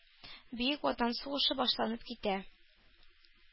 Бөек Ватан сугышы башланып китә.